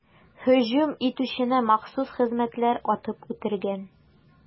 Һөҗүм итүчене махсус хезмәтләр атып үтергән.